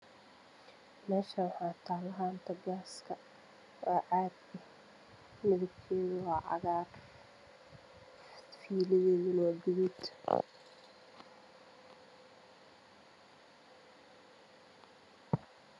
Meeshaan waxaa taalo haanta gaaska waa caag midabkeedu waa cagaar waxay leedahay fiilo gaduudan.